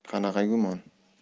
qanaqa gumon